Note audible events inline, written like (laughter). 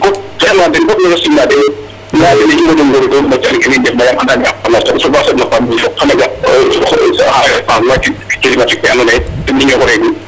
vraiment den fop maxey simna den layaa den ee i moƴo ngoorgoorlu o calel kene i ndefna yaam (unintelligible) changement climatique fe andoona yee ten i ñoxoregu